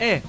e